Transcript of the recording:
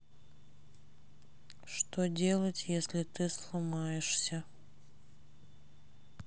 что делать если ты сломаешься